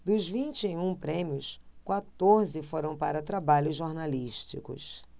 dos vinte e um prêmios quatorze foram para trabalhos jornalísticos